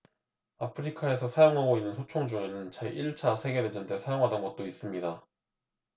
아프리카에서 사용하고 있는 소총 중에는 제 일 차 세계 대전 때 사용하던 것도 있습니다